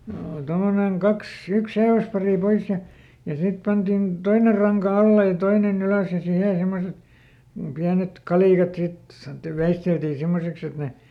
oli tuommoinen kaksi yksi seiväspari pois ja ja sitten pantiin toinen ranka alle ja toinen ylös ja siihen semmoiset pienet kalikat sitten sanottiin veisteltiin semmoiseksi että ne